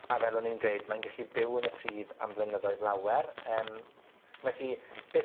a fel o'n i'n dweud, mae'n gallu byw yn y pridd am flynyddoedd lawer. Yym. Twtian> felly, beth